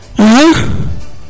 axa